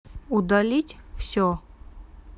удалить все